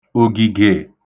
ògìgè